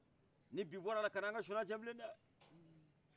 ni bi bɔr' ala kan nka sinɔgɔ tiyɛn bilen dai